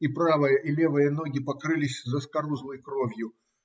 И правая и левая ноги покрылись заскорузлой кровью.